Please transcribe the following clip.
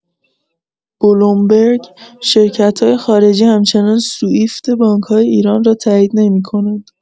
بلومبرگ: شرکت‌های خارجی همچنان سوئیفت بانک‌های ایران را تایید نمی‌کنند.